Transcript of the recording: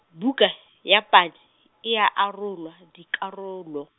buka, ya padi, e a arolwa, dikgaolo.